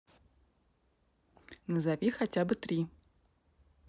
назови хотя бы три